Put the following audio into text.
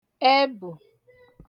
ẹbụ̀